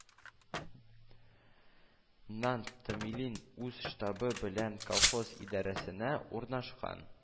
Нант томилин үз штабы белән колхоз идарәсенә урнашкан